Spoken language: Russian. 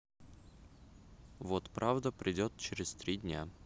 вот правда придет через три дня